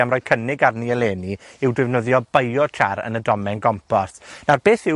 am roi cynnig arni eleni yw defnyddio biochar yn y domen gompos. Nawr, beth yw